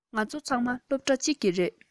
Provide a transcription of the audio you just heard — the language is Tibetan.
ང ཚོ ཚང མ སློབ གྲྭ གཅིག གི རེད